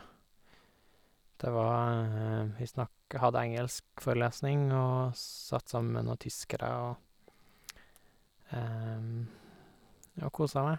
det var Vi snakka hadde engelsk forelesning og satt sammen med noen tyskere og og koste meg.